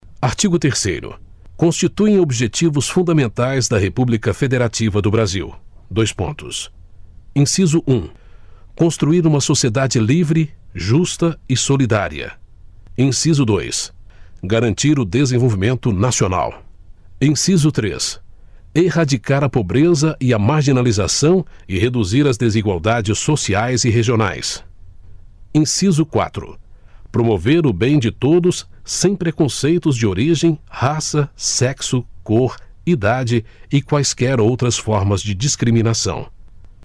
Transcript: artigo terceiro constituem objetivos fundamentais da república federativa do brasil dois pontos inciso um construir uma sociedade livre justa e solidária inciso dois garantir o desenvolvimento nacional inciso três erradicar a pobreza e a marginalização e reduzir as desigualdades sociais e regionais inciso quatro promover o bem de todos sem preconceitos de origem raça sexo cor idade e quaisquer outras formas de discriminação